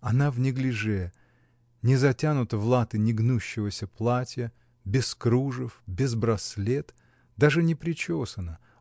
Она в неглиже, не затянута в латы негнущегося платья, без кружев, без браслет, даже не причесана